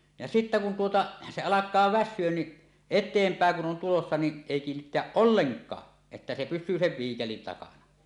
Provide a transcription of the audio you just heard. ja sitten kun tuota se alkaa väsyä niin eteenpäin kun on tulossa niin ei kiinnittää ollenkaan että se pysyy sen viikelin takana